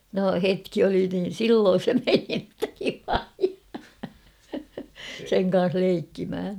no hetki oli niin silloin se meni että vilaji sen kanssa leikkimään